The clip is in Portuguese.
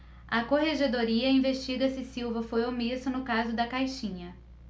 a corregedoria investiga se silva foi omisso no caso da caixinha